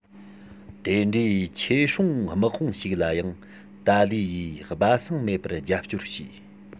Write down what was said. དེ འདྲའི ཆོས སྲུང དམག དཔུང ཞིག ལ ཡང ཏཱ ལའི ཡིས སྦ གསང མེད པར རྒྱབ སྐྱོར བྱས